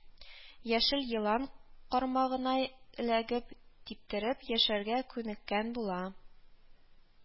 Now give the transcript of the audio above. Яшел елан кармагына эләгеп, типтереп яшәргә күнеккән була